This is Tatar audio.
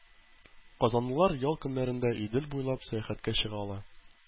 Казанлылар ял көннәрендә Идел буйлап сәяхәткә чыга ала.